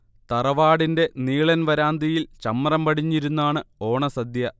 തറവാടിന്റെ നീളൻ വരാന്തയിൽ ചമ്രം പടിഞ്ഞിരുന്നാണ് ഓണസദ്യ